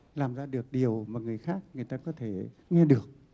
làm ra được điều mà người khác người ta có thể nghe được